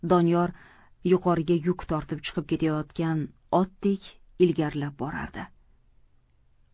doniyor yuqoriga yuk tortib chiqib ketayotgan otdek ilgarilab borardi